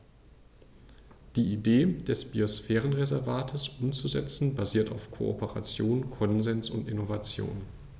Die Idee des Biosphärenreservates umzusetzen, basiert auf Kooperation, Konsens und Innovation.